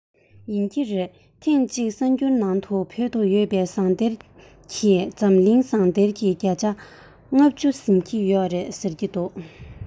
ཡིན གྱི རེད ཐེངས གཅིག གསར འགྱུར ནང དུ བོད དུ ཡོད པའི ཟངས གཏེར གྱིས འཛམ གླིང ཟངས གཏེར གྱི བརྒྱ ཆ ལྔ བཅུ ཟིན གྱི ཡོད ཟེར བཤད འདུག